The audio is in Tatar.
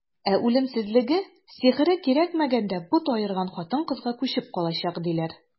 Ә үлемсезлеге, сихере кирәкмәгәндә бот аерган кыз-хатынга күчеп калачак, диләр.